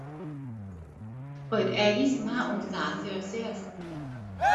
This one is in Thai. เปิดแอร์ยี่สิบห้าองศาเซลเซียส